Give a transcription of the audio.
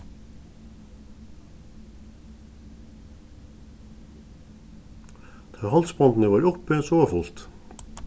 tá ið hálsbondini vóru uppi so var fult